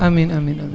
amiin amiin amiin